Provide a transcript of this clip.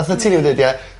...fatha ti newydd deud ia